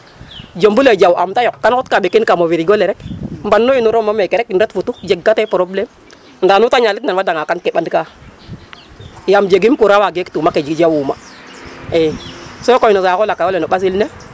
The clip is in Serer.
jembul ee jaw'aam ta yoq kam xotka ɓekin kam a frigo le mbanu inooruma meke rek ret futu jegkatee probléme ndaa nu ta ñalitna o fadanga kam kemban ka yaam jegiim courant fa gektuma ke jawuma .